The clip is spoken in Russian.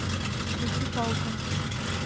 включи халка